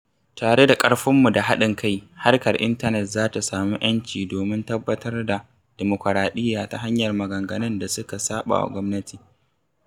Tare da ƙarfinmu da haɗin kai, harkar intanet za ta samu 'yanci domin tabbatar da dimukuraɗiyya ta hanyar maganganun da suka saɓawa gwamnati.